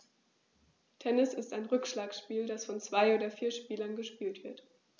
Tennis ist ein Rückschlagspiel, das von zwei oder vier Spielern gespielt wird.